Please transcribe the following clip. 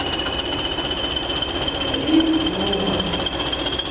клип вова